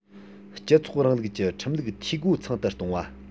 སྤྱི ཚོགས རིང ལུགས ཀྱི ཁྲིམས ལུགས འཐུས སྒོ ཚང དུ གཏོང བ